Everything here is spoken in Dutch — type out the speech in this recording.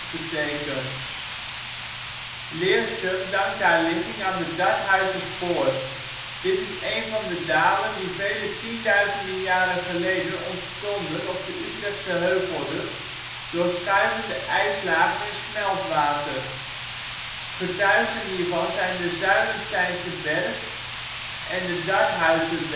betekent. Leersum dankt haar ligging aan de Darthuizer Poort. Dit is een van de dalen die vele tienduizenden jaren geleden ontstonden op de Utrechtse Heuvelrug door schuivende ijslagen en smeltwater. Getuigen hiervan zijn de Zuilensteinse berg (52 m) en de Darthuizer berg